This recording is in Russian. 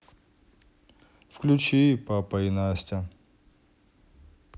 включи папа и настя